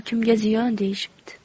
kimga ziyon deyishibdi